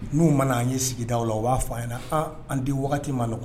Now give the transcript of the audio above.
N'u mana anan ye sigida la o u b'a fɔ a' na an di wagati man nɔgɔ